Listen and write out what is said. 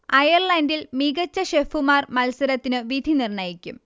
അയർലണ്ടിൽ മികച്ച ഷെഫുമാർ മത്സരത്തിനു വിധി നിർണയിക്കും